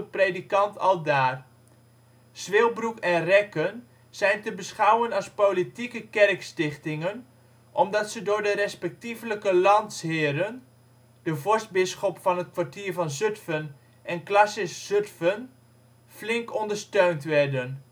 predikant aldaar. Zwilbroek en Rekken zijn te beschouwen als politieke kerkstichtingen, omdat ze door de respectievelijke landsheren (de vorstbisschop en het Kwartier van Zutphen en Classis Zutphen) flink ondersteund werden